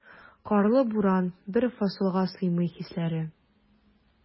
Карлы буран, бер фасылга сыймый хисләре.